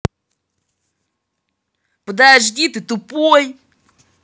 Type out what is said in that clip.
подожди ты тупой